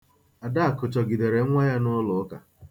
Adakụ chọgidere nwa ya n'ụlọ ụka.